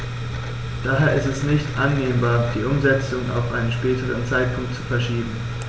Daher ist es nicht annehmbar, die Umsetzung auf einen späteren Zeitpunkt zu verschieben.